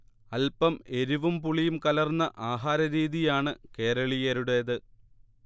അല്പം എരിവും പുളിയും കലർന്ന ആഹാരരീതിയാണ് കേരളീയരുടേത്